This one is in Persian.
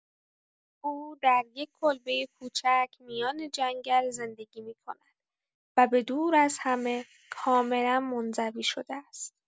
او در یک کلبه کوچک میان جنگل زندگی می‌کند و به دور از همه، کاملا منزوی شده است.